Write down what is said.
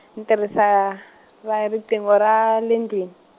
ni ti risa, ra riqingho ra, le ndlwini.